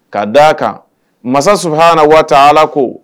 Ka' d' a kan masa su hana waa ala ko